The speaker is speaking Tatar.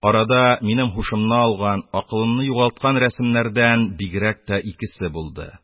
Арада минем һушымны алган, акылымны югалткан рәсемнәрдән бигрәк тә икесе булды: